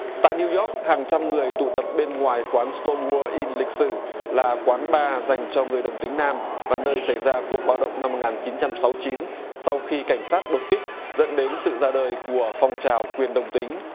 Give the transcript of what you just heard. tại niu doóc hàng trăm người tụ tập bên ngoài quán xừ tôn gua in lịch sử là quán ba dành cho người đồng tính nam và nơi xảy ra cuộc bạo động năm một ngàn chín trăm sáu chín sau khi cảnh sát đột kích dẫn đến sự ra đời của phong trào quyền đồng tính